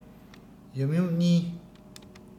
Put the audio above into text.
ཡབ ཡུམ གཉིས